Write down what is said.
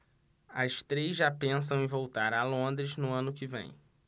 as três já pensam em voltar a londres no ano que vem